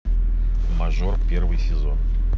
мажор первый сезон